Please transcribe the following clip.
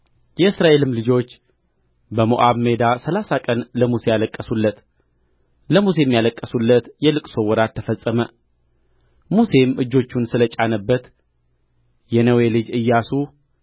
የእስራኤልም ልጆች በሞዓብ ሜዳ ሠላሳ ቀን ለሙሴ አለቀሱለት ለሙሴም ያለቀሱለት የልቅሶው ወራት ተፈጸመ ሙሴም እጆቹን ስለ ጫነበት የነዌ ልጅ ኢያሱ